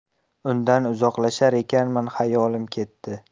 undan uzoqlashar ekanman xayolim ketdi